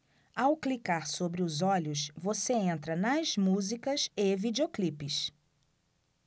ao clicar sobre os olhos você entra nas músicas e videoclipes